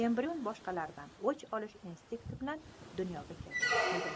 embrion boshqalardan o'ch olish instinkti bilan dunyoga kelgan